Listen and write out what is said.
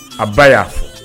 A ba'